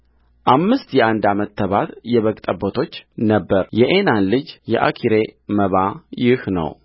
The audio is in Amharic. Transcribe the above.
አምስት የአንድ ዓመት ተባት የበግ ጠቦቶች ነበረ የዔናን ልጅ የአኪሬ መባ ይህ ነበረ